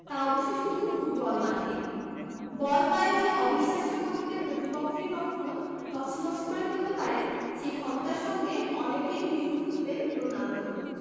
তা অবশ্য শুধু ফুটবল মাঠে বল পায়ে যে অবিশ্বাস্য গতিতে প্রতিপক্ষের রক্ষণ তছনছ করে ফেলতে পারেন সেই ক্ষমতার সঙ্গে অনেকে মিল খুঁজবেন রোনালদোর